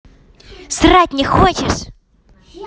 срать не хочешь